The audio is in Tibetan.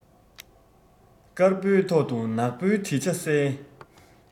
དཀར པོའི ཐོག ཏུ ནག པོའི བྲིས ཆ གསལ